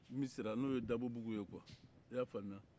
misira n'o ye dabobugu ye quoi i y'a faamuya